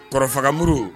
Kɔrɔfagamuru